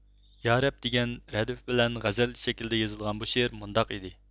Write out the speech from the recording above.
يارەب دېگەن رەدىف بىلەن غەزەل شەكلىدە يېزىلغان بۇ شېئىر مۇنداق ئىدى